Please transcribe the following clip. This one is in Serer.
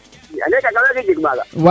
ande kaga waage jeg maaga